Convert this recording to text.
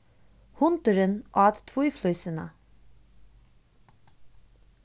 hundurin át tvíflísina